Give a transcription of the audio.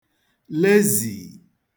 le zìì